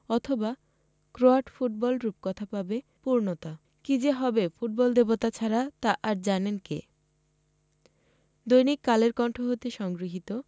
অথবা Croat football রূপকথা পাবে পূর্ণতা কী যে হবে ফুটবল দেবতা ছাড়া তা আর জানেন কে দৈনিক কালের কন্ঠ হতে সংগৃহীত